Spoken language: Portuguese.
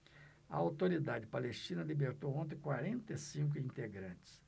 a autoridade palestina libertou ontem quarenta e cinco integrantes